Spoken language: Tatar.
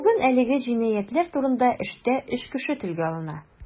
Бүген әлеге җинаятьләр турындагы эштә өч кеше телгә алына.